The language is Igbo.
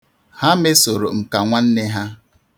Ha mesoro m ka nwanne ha.